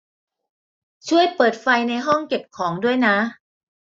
ช่วยเปิดไฟในห้องเก็บของด้วยนะ